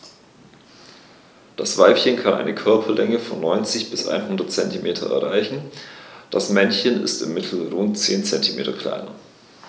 Das Weibchen kann eine Körperlänge von 90-100 cm erreichen; das Männchen ist im Mittel rund 10 cm kleiner.